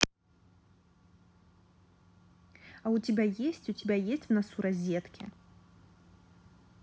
а у тебя есть у тебя есть в носу розетки